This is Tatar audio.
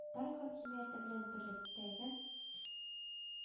Парк хакимияте белән берлектәге